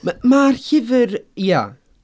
M- mae'r llyfr, ia.